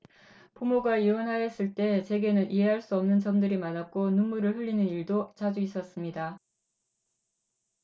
부모가 이혼하였을 때 제게는 이해할 수 없는 점들이 많았고 눈물을 흘리는 일도 자주 있었습니다